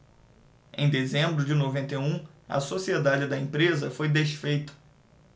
em dezembro de noventa e um a sociedade da empresa foi desfeita